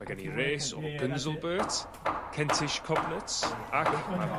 Ma' gen i res o gunselburt Kentish cobnuts* ac ma'r